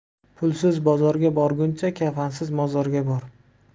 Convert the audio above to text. pulsiz bozorga borguncha kafansiz mozorga bor